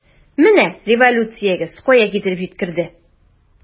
Менә революциягез кая китереп җиткерде!